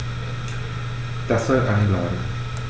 Das soll an bleiben.